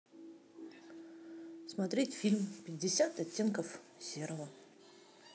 смотреть фильм пятьдесят оттенков серого